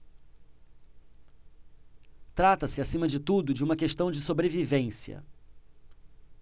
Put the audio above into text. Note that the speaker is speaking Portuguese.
trata-se acima de tudo de uma questão de sobrevivência